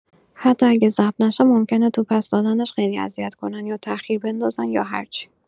حتی اگه ضبط نشه ممکنه تو پس دادنش خیلی اذیت کنن یا تاخیر بندازن یا هرچی!